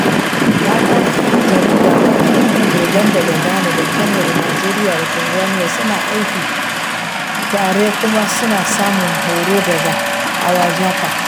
Mata 'yan jarida daga Uganda da Ghana da Kenya da Nijeriya da Tanzania suna aiki tare kuma suna samun horo daga AWJP.